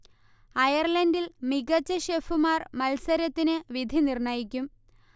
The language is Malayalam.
അയർലണ്ടിൽ മികച്ച ഷെഫുമാർ മത്സരത്തിനു വിധി നിർണയിക്കും